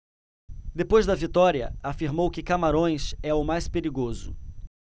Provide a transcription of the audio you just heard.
depois da vitória afirmou que camarões é o mais perigoso